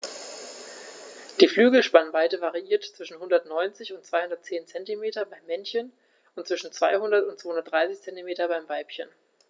Die Flügelspannweite variiert zwischen 190 und 210 cm beim Männchen und zwischen 200 und 230 cm beim Weibchen.